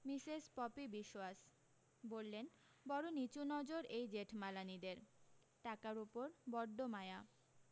Mrs Popi Biswas বললেন বড় নীচু নজর এই জেঠমালানিদের টাকার ওপর বডড মায়া